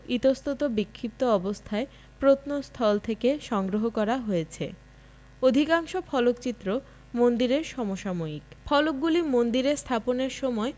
ইতস্তত বিক্ষিপ্ত অবস্থায় প্রত্নস্থল থেকে সংগ্রহ করা হয়েছে অধিকাংশ ফলকচিত্র মন্দিরের সমসাময়িক ফলকগুলি মন্দিরে স্থাপনের সময়